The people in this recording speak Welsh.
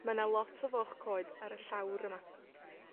Mae 'na lot o foch coed ar y llawr yma.